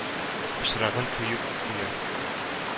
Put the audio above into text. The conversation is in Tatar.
Пычрагын коеп куя.